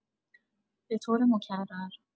به‌طور مکرر